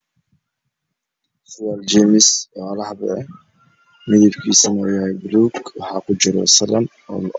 Surwaal jeemis ah oo labo xabo ah midabkiisu waa buluug waxuu kujiraa salan ama boonbalo.